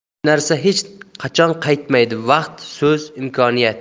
uch narsa hech qachon qaytmaydi vaqt so'z imkoniyat